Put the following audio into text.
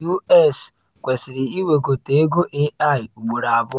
U.S. kwesịrị iwegote ego A.I. ugboro abụọ